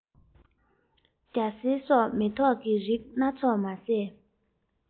རྒྱ སེ སོགས མེ ཏོག གི རིགས སྣ ཚོགས མ ཟད